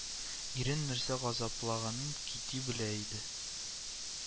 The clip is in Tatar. Ирен нәрсә газаплаганын Кити белә иде